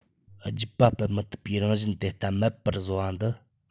རྒྱུད པ སྤེལ མི ཐུབ པའི རང བཞིན དེ ལྟ མེད པར བཟོ བ འདི